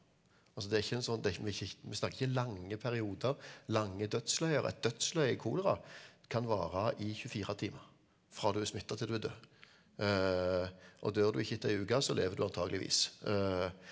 altså det er ikke en sånn det er ikke vi snakker ikke lange perioder lange dødsleier og et dødsleie i kolera kan vare i 24 timer fra du er smittet til du er død og dør du ikke etter en uke så lever du antakeligvis .